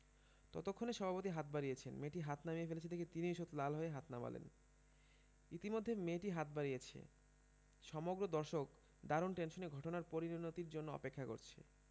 ততক্ষনে সভাপতি হাত বাড়িয়েছেন মেয়েটি হাত নামিয়ে ফেলেছে দেখে তিনিও ঈষৎ লাল হয়ে হাত নামালেন ইতিমধ্যে মেয়েটি হাত বাড়িয়েছে সমগ্র দর্শক দারুণ টেনশনে ঘটনার পরিণতির জন্যে অপেক্ষা করছে